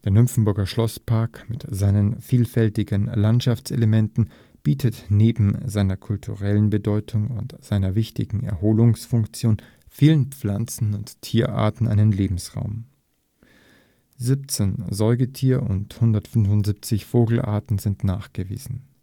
Nymphenburger Schlosspark mit seinen vielfältigen Landschaftselementen bietet neben seiner kulturellen Bedeutung und einer wichtigen Erholungsfunktion vielen Pflanzen - und Tierarten einen Lebensraum. 17 Säugetier - und 175 Vogelarten sind nachgewiesen